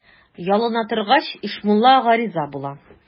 Ялына торгач, Ишмулла ага риза була.